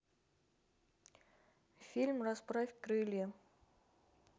фильм расправь крылья